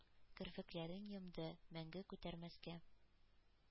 Керфекләрен йомды, мәңге күтәрмәскә...